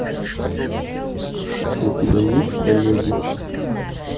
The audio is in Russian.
у тебя есть коллеги